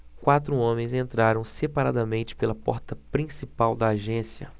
quatro homens entraram separadamente pela porta principal da agência